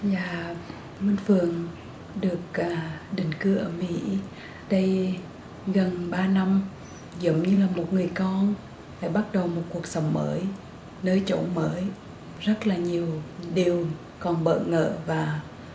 nhà minh phượng được à định cư ở mỹ đây gần ba năm giống như là một người con lại bắt đầu một cuộc sống mới nơi chốn mới rất là nhiều điều còn bỡ ngỡ và